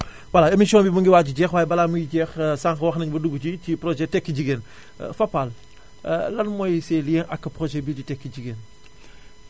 voilà émission bi mu ngi waaj a jeex waaye balaa muy jeex sànq wax nañu ba dugg ci ci projet tekki jigéen Fapal lan mooy ses liens ak projet bii di tekki jigéen